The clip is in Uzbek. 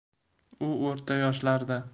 u orta yoshlarda